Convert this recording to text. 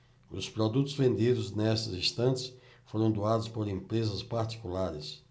os produtos vendidos nestas estantes foram doados por empresas particulares